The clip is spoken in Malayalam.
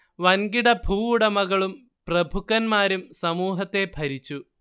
വൻകിട ഭൂവുടമകളും പ്രഭുക്കന്മാരും സമൂഹത്തെ ഭരിച്ചു